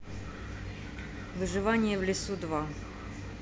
выживание в лесу два